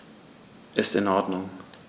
Ist in Ordnung.